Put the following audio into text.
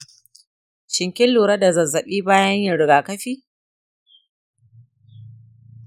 shin kin lura da zazzaɓi bayan yin rigakafi?